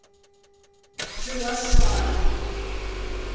ты лошара